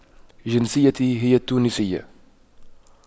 جنسيته هي التونسية